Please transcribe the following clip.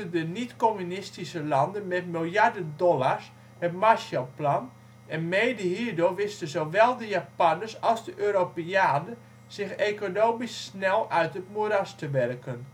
de niet-communistische landen met miljarden dollars (Marshallplan) en mede hierdoor wisten zowel de Japanners als de Europeanen zich economisch snel uit het moeras te werken